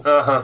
ahan